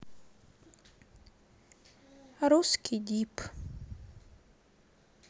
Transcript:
русский дип